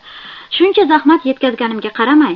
shuncha zahmat yetkazganimga qaramay